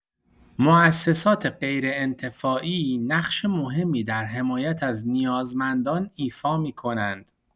مؤسسات غیرانتفاعی نقش مهمی در حمایت از نیازمندان ایفا می‌کنند.